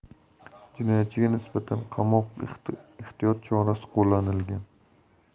jinoyatchiga nisbatan qamoq ehtiyot chorasi qo'llangan